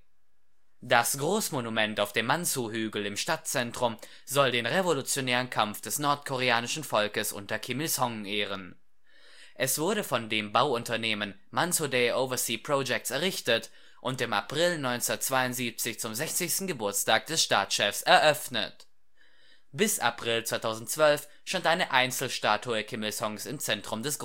Das Großmonument auf dem Mansu-Hügel im Stadtzentrum soll den revolutionären Kampf des nordkoreanischen Volkes unter Kim Il-sung ehren. Es wurde von dem Bauunternehmen Mansudae Overseas Projects errichtet und im April 1972 zum 60. Geburtstag des Staatschefs eröffnet. Bis April 2012 stand eine Einzelstatue Kim Il-sungs im Zentrum des Großmonuments